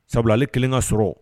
Sabula ale 1 ka sɔrɔ